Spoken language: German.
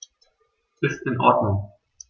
Ist in Ordnung.